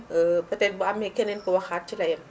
peut être bu amee keneen ku waxaat ci la yem